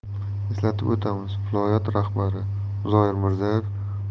eslatib o'tamiz viloyat rahbari zoir mirzayev tuman